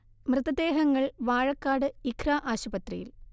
മൃതദേഹങ്ങൾ വാഴക്കാട് ഇഖ്റ ആശുപത്രിയിൽ